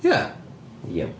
Ia... Iawn...